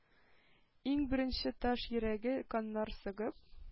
Иң беренче таш йөрәге каннар сыгып,